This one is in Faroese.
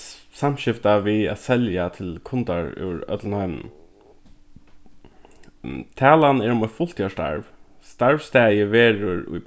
samskifta við at selja til kundar úr øllum heiminum talan er um eitt fulltíðarstarv starvsstaðið verður í